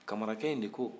kamarakɛ in de ko